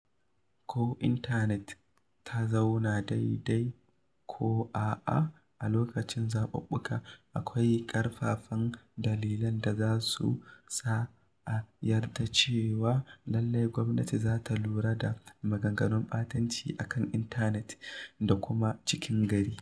Ko intanet ta zauna daidai ko a'a a lokacin zaɓuɓɓuka, akwai ƙarfafan dalilan da za su sa a yarda cewa lallai gwamnati za ta lura da maganganun ɓatanci a kan intanet da kuma cikin gari.